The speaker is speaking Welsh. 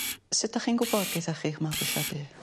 Sud 'dach chi'n gwbod geithoch chi'ch mabwysiadu?